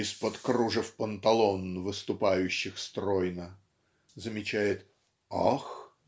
"из-под кружев панталон выступающих стройно" замечает "ах!